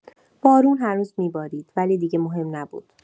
بارون هنوز می‌بارید، ولی دیگه مهم نبود.